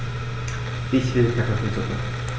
Ich will Kartoffelsuppe.